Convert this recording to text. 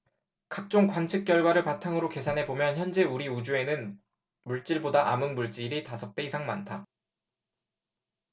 각종 관측 결과를 바탕으로 계산해 보면 현재 우리 우주에는 물질보다 암흑물질이 다섯 배 이상 많다